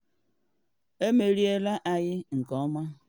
Emeriri anyị nke ọma.”